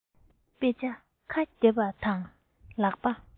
དཔེ ཆ ཁ བརྒྱབ པ དང ལག པ